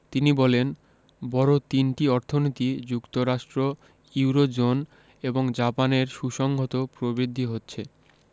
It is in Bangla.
তিনি বলেন বড় তিনটি অর্থনীতি যুক্তরাষ্ট্র ইউরোজোন এবং জাপানের সুসংহত প্রবৃদ্ধি হচ্ছে